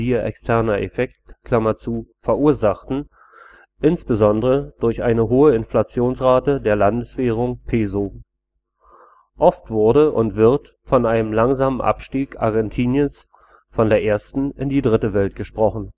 externer Effekt) verursachten, insbesondere durch eine hohe Inflationsrate der Landeswährung Peso. Oft wurde und wird von einem langsamen Abstieg Argentiniens von der ersten in die dritte Welt gesprochen